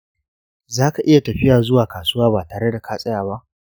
zaka iya tafiya zuwa kasuwa ba tare da ka tsaya ba?